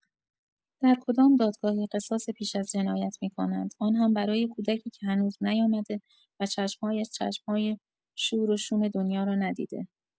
در کدام دادگاهی قصاص پیش از جنایت می‌کنند آن هم برای کودکی که هنوز نیامده و چشم‌هایش چشم‌های شور و شوم دنیا را ندیده؟